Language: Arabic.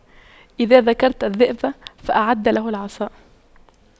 إذا ذكرت الذئب فأعد له العصا